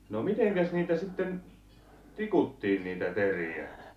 no mitenkäs niitä sitten tikuttiin niitä teriä